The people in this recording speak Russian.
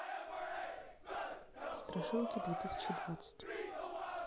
страшилки две тысячи двадцать